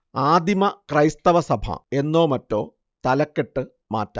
ആദിമ ക്രൈസ്തവ സഭ എന്നോ മറ്റോ തലക്കെട്ട് മാറ്റാം